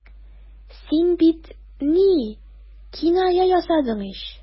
Син бит... ни... киная ясадың ич.